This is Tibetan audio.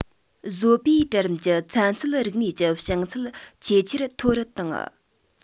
བཟོ པའི གྲལ རིམ གྱི ཚན རྩལ རིག གནས ཀྱི བྱང ཚད ཆེས ཆེར མཐོ རུ བཏང